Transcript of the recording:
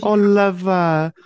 Oh love her.